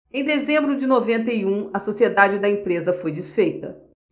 em dezembro de noventa e um a sociedade da empresa foi desfeita